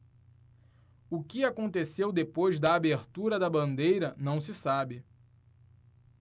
o que aconteceu depois da abertura da bandeira não se sabe